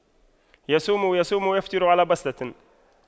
يصوم يصوم ويفطر على بصلة